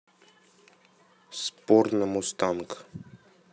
спор на мустанг